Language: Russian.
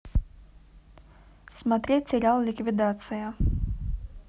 смотреть сериал ликвидация